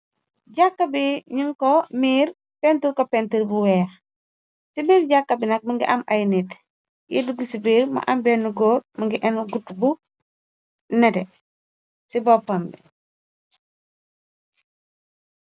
Jàkka bi nun ko mbiir painturr ko painturr bu weex ci miir jàkka bi nag mongi am ay nitt yui dugu ci biir ma am benn góor mongi inu gut bu nete ci boppam bi.